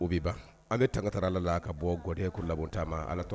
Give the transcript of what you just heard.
Ale tan ka taa ala la ka bɔ gden kulu la taama ma ala